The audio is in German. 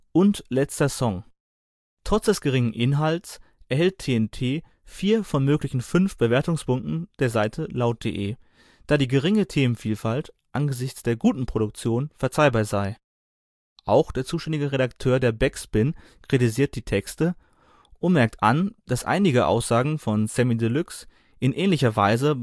und Letzter Song. Trotz des geringen Inhalts erhält TNT vier von möglichen fünf Bewertungspunkten der Seite Laut.de, da die geringe Themenvielfalt angesichts der guten Produktion verzeihbar sei. Auch der zuständige Redakteur der Backspin kritisiert die Texte und merkt an, dass einige Aussagen von Samy Deluxe, in ähnlicher Weise